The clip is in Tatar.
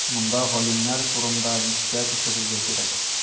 Монда галимнәр турында искә төшерергә кирәк.